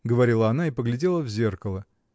— говорила она и поглядела в зеркало.